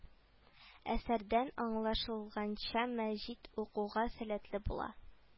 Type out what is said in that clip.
Әсәрдән аңлашылганча мәҗит укуга сәләтле була